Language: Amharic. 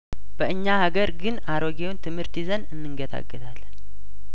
በእኛ ሀገር ግን አሮጌውን ትምህርት ይዘን እንንገ ታገ ታለን